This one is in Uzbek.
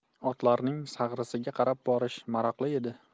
otlarning sag'risiga qarab borish maroqli edi